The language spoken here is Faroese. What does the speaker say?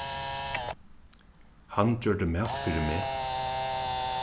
hann gjørdi mat fyri meg